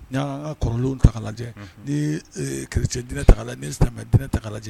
N'i y'a an' ŋa kɔrɔlenw ta k'a lajɛ unhun nii ee chrétien diinɛ ta k'a layɛ n'i ye salamɛ diinɛ ta k'a lajɛ